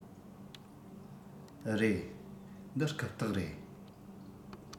རེད འདི རྐུབ སྟེགས རེད